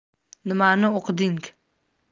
nimani o'qiding